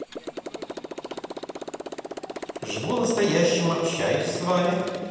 живу настоящим общаюсь с вами